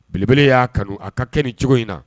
Belebele y'a kanu a ka kɛ ni cogo in na